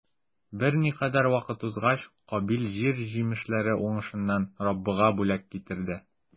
Берникадәр вакыт узгач, Кабил җир җимешләре уңышыннан Раббыга бүләк китерде.